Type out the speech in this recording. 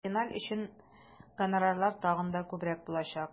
Финал өчен гонорарлар тагын да күбрәк булачак.